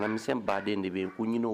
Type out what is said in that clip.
Misɛn baden de bɛ yen ko ɲini